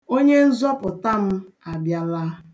Onyenzọpụta m abịala.